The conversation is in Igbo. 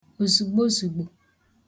òzùgbo ozùgbo